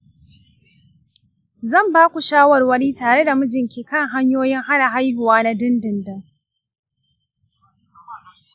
zan ba ku shawarwari tare da mijinki kan hanyoyin hana haihuwa na dindindin.